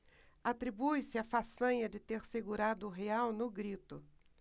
atribuiu-se a façanha de ter segurado o real no grito